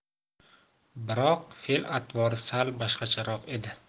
biroq fe'l atvori sal boshqacharoq edi